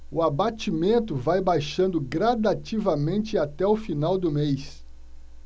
o abatimento vai baixando gradativamente até o final do mês